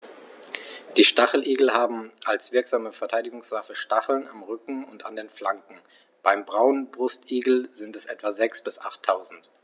Die Stacheligel haben als wirksame Verteidigungswaffe Stacheln am Rücken und an den Flanken (beim Braunbrustigel sind es etwa sechs- bis achttausend).